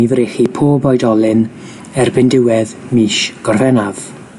i frechu pob oedolyn erbyn diwedd mis Gorffennaf.